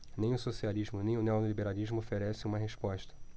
nem o socialismo nem o neoliberalismo oferecem uma resposta